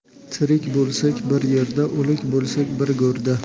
tirik bo'lsak bir yerda o'lik bo'lsak bir go'rda